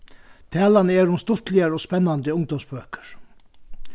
talan er um stuttligar og spennandi ungdómsbøkur